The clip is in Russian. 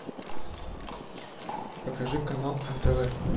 покажи канал нтв